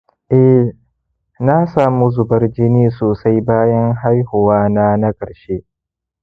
eh, na samu zubar jini sosai bayan haihuwa na na karshe